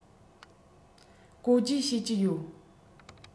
གོ བརྗེ བྱེད ཀྱི ཡོད